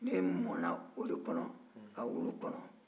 ne mɔɔna o de kɔnɔ ka wolo o kɔnɔ